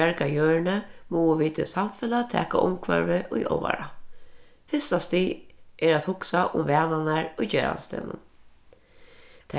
bjarga jørðini mugu vit í samfelag taka umhvørvið í álvara fyrsta stig er at hugsa um vanarnar í gerandisdegnum